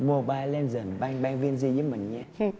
mô bai le giờn bai bai bin gi với mình nha